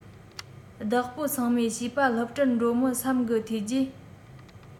བདག པོ ཚང མས བྱིས པ སློབ གྲྭར འགྲོ མི བསམ གི ཐོས རྗེས